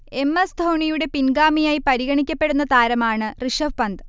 M. S. ധോണിയുടെ പിൻഗാമിയായി പരിഗണിക്കപ്പെടുന്ന താരമാണ് ഋഷഭ് പന്ത്